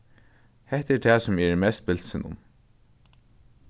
hetta er tað sum eg eri mest bilsin um